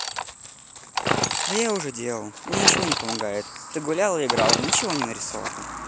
да я уже делал мне ничего не помогает ты гулял и играл ничего нарисовал